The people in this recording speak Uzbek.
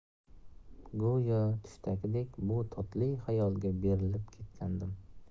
go'yo tushdagidek bu totli xayolga berilib ketgandim